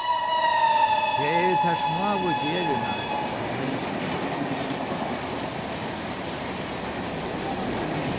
tað eru tær smáu gerðirnar sum telja